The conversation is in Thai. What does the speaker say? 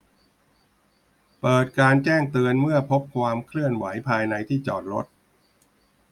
เปิดการแจ้งเตือนเมื่อพบความเคลื่อนไหวภายในที่จอดรถ